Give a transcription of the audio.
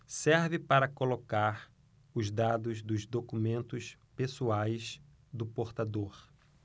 serve para colocar os dados dos documentos pessoais do portador